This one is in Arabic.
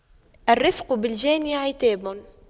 الرفق بالجاني عتاب